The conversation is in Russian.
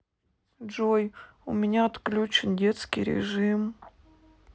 джой у меня отключен детский режим